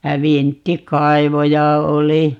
ja vinttikaivoja oli